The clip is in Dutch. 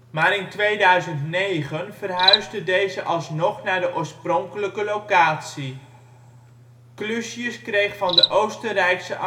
maar in 2009 verhuisde deze alsnog naar de oorspronkelijke locatie. Clusius kreeg van de Oostenrijkse